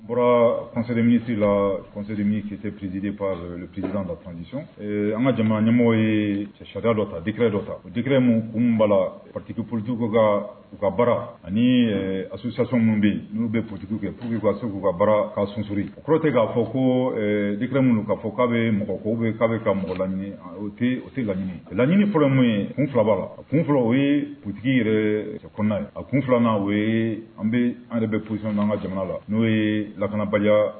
Bɔra kɔnsɛre minisi la kɔnsɛrerimi kip psisiriep psid da pandisɔn eee an ka jamana ɲɛmɔgɔ ye cɛ sa dɔ ta dkrare dɔ ta udikrare minnu kunba la pki purtuko ka u ka baara ani a susasi minnu bɛ yen n'u bɛ ptigiki kɛ purki ka segu ka bara k'a sunurri kɔrɔte k'a fɔ ko dikra minnu ka fɔ k'a bɛ mɔgɔko bɛ k'a bɛ ka mɔgɔ la o tɛ laɲini laɲiniini fɔlɔ minnu ye kun filabaa la kunfɔlɔ o ye ptigi yɛrɛ kun a kun filanan an bɛ an yɛrɛ bɛ psi an ka jamana la n'o ye lakanabali